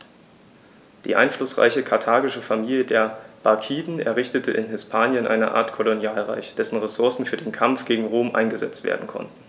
Die einflussreiche karthagische Familie der Barkiden errichtete in Hispanien eine Art Kolonialreich, dessen Ressourcen für den Kampf gegen Rom eingesetzt werden konnten.